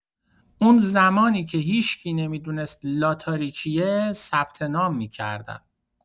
اون زمانی که هیشکی نمی‌دونست لاتاری چیه ثبت‌نام می‌کردم!